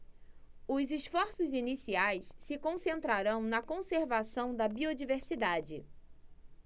os esforços iniciais se concentrarão na conservação da biodiversidade